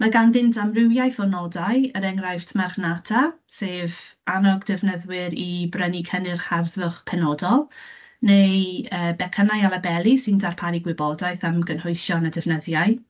Mae ganddynt amrywiaeth o nodau, er enghraifft marchnata, sef annog defnyddwyr i brynu cynnyrch harddwch penodol, neu yy becynau a labeli sy'n darpanu gwybodaeth am gynhwysion a defnyddiau.